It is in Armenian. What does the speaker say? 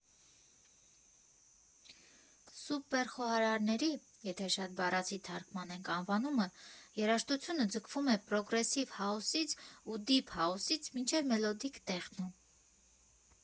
Սուպեր խոհարարների (եթե շատ բառացի թարգմանենք անվանումը) երաժշտությունը ձգվում է պրոգրեսիվ հաուսից ու դիփ հաուսից մինչև մելոդիկ տեխնո։